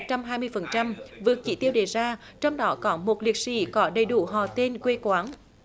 trăm hai mươi phần trăm vượt chỉ tiêu đề ra trong đó có một liệt sỹ có đầy đủ họ tên quê quán